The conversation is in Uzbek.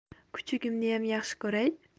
kuchugimniyam yaxshi ko'ray